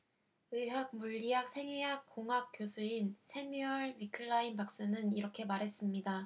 의학 물리학 생의학 공학 교수인 새뮤얼 위클라인 박사는 이렇게 말했습니다